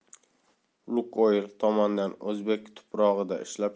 lukoyl tomonidan o'zbek tuprog'ida ishlab